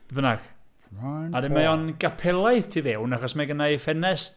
Beth bynnag... . ...Mae o'n capelaidd tu fewn achos mae gennai ffenest...